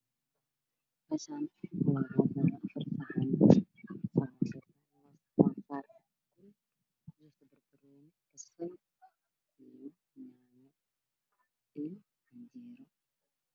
Meeshan waxaa ii muuqdo sax maan caddaan waxaa ku jiro canjeero khudaar waxay saaran yihiin cadaan